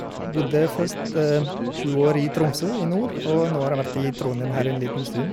Bodde først sju år i Tromsø, i nord, og nå har jeg vært i Trondheim her en liten stund.